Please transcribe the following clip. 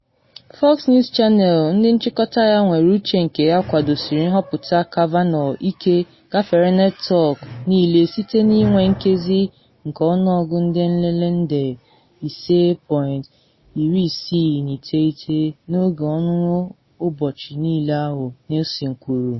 Fox News Channel, ndị nchịkọta ya nwere uche nke ya kwadosiri nhọpụta Kavanaugh ike, gafere netwọk niile site na ịnwe nkezi nke ọnụọgụ ndị nlele nde 5.69 n’oge ọnụnụ ụbọchị-niile ahụ, Nielsen kwuru.